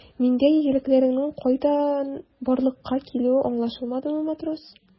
Миндә игелеклелекнең кайдан барлыкка килүе аңлашылдымы, матрос?